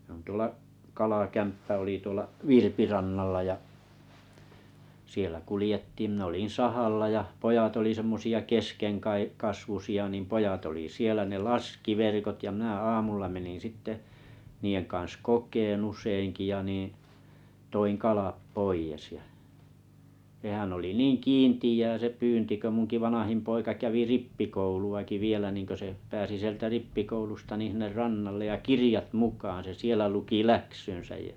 se on tuolla kalakämppä oli tuolla Virpirannalla ja siellä kuljettiin minä olin sahalla ja pojat oli semmoisia - keskenkasvuisia niin pojat oli siellä ne laski verkot ja minä aamulla menin sitten niiden kanssa kokemaan useinkin ja niin toin kalat pois ja sehän oli niin kiinteää se pyynti kun minunkin vanhin poika kävi rippikouluakin vielä niin kun se pääsi sieltä rippikoulusta niin sinne rannalle ja kirjat mukaan se siellä luki läksynsä ja